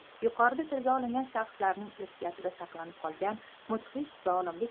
yuqorida tilga olingan shaxslarning irsiyatida saqlanib qolgan mudhish zolimlik